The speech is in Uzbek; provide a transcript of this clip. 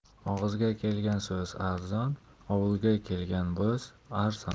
og'izga kelgan so'z arzon ovulga kelgan bo'z arzon